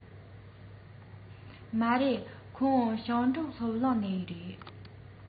མ རེད ཁོང ཞིང འབྲོག སློབ གླིང ནས རེད